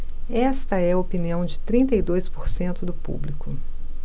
esta é a opinião de trinta e dois por cento do público